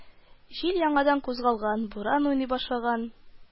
Җил яңадан кузгалган, буран уйный башлаган